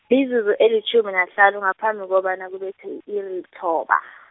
mizuzu elitjhumi nahlanu ngaphambi kobana kubethe i-iri, lethoba.